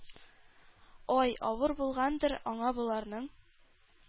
Ай, авыр булгандыр аңа боларның